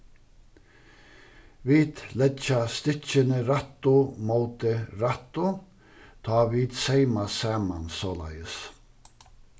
vit leggja stykkini rættu móti rættu tá vit seyma saman soleiðis